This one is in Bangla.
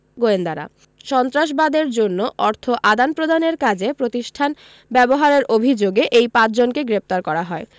গোয়েন্দারা সন্ত্রাসবাদের জন্য অর্থ আদান প্রদানের কাজে প্রতিষ্ঠান ব্যবহারের অভিযোগে এই পাঁচজনকে গ্রেপ্তার করা হয়